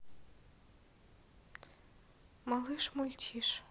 малыш мультиш